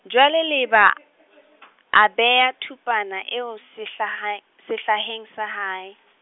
jwale Leba , a bea thupana eo sehlahae-, sehlaheng sa hae .